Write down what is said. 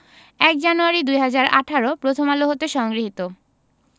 ০১ জানুয়ারি ২০১৮ প্রথম আলো হতে সংগৃহীত